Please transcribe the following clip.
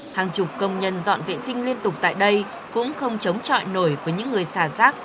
hàng chục công nhân dọn vệ sinh liên tục tại đây cũng không chống chọi nổi với những người xả rác